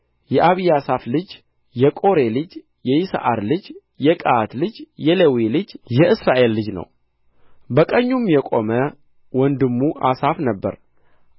የአብያሳፍ ልጅ የቆሬ ልጅ የይስዓር ልጅ የቀዓት ልጅ የሌዊ ልጅ የእስራኤል ልጅ ነው በቀኙም የቆመ ወንድሙ አሳፍ ነበረ